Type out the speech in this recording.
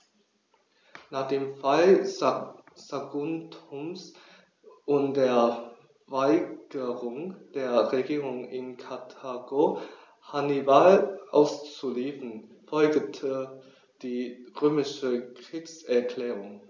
Nach dem Fall Saguntums und der Weigerung der Regierung in Karthago, Hannibal auszuliefern, folgte die römische Kriegserklärung.